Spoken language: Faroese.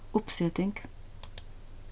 uppseting